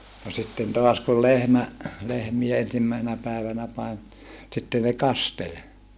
no sitten taas kun lehmä lehmiä ensimmäisenä päivänä - sitten ne kasteli